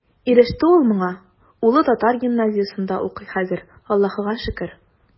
Иреште ул моңа, улы татар гимназиясендә укый хәзер, Аллаһыга шөкер.